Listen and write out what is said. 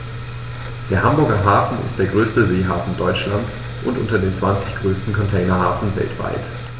Der Hamburger Hafen ist der größte Seehafen Deutschlands und unter den zwanzig größten Containerhäfen weltweit.